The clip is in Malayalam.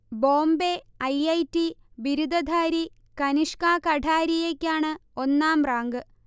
ബോംബെ ഐ. ഐ. ടി. ബിരുദധാരി കനിഷ്ക കഠാരിയയ്ക്കാണ് ഒന്നാം റാങ്ക്